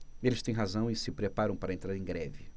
eles têm razão e se preparam para entrar em greve